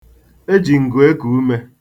E ji ngụ eku ume.